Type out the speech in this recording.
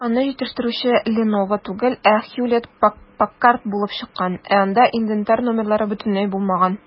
Тычканны җитештерүче "Леново" түгел, ә "Хьюлетт-Паккард" булып чыккан, ә анда инвентарь номерлары бөтенләй булмаган.